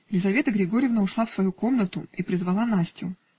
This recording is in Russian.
Лизавета Григорьевна ушла в свою комнату и призвала Настю.